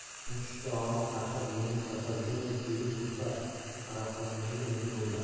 musht tushsa og'riq tarqab yengil tortadiganday tuyulib ursa uraqolmaydimi deb o'yladi